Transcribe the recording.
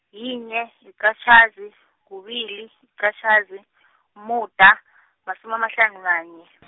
yinye, yiqatjhazi, kubili, yiqatjhazi , umuda , masumi, amahlanu, nanye .